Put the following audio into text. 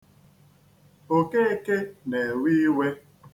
Okeke na-ewe iwe.